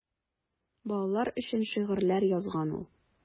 Балалар өчен шигырьләр язган ул.